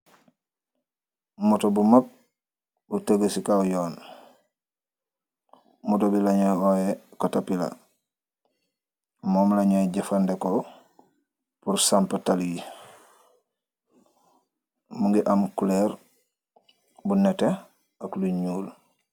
moto bu makh bu tëge ci kaw yoon moto bi lañuy ooye kotapila moom lañuy jëfande ko por sampa talli mu ngi am culoor bu nete ak luy ñuul